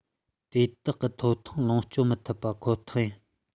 དེ དག གི ཐོབ ཐང ལོངས སྤྱོད མི ཐུབ པ ཁོ ཐག ཡིན